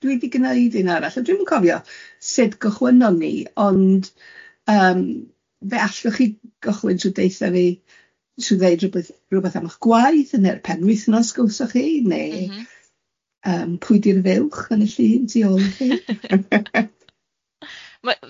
O dwi dwi di gneud un arall, ond dwi'm yn cofio sut gychwynnon ni, ond yym fe allwch chi gychwyn trwy deutha fi trwy ddeud rwbeth rywbeth am ych gwaith, ne'r penwythnos gawsoch chi, neu... M-hmm... yym pwy di'r fuwch yn y llun tu ôl i chi?